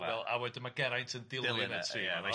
A wedyn ma' Geraint yn dilyn 'na ti, o reit.